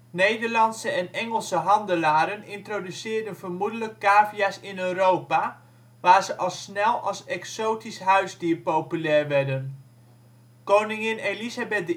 Nederlandse en Engelse handelaren introduceerden vermoedelijk cavia 's in Europa, waar ze al snel als exotisch huisdier populair werden. Koningin Elizabeth